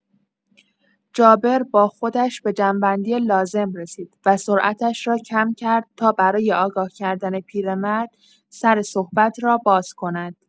جابر با خودش به جمع‌بندی لازم رسید و سرعتش را کم کرد تا برای آگاه‌کردن پیرمرد، سر صحبت را باز کند.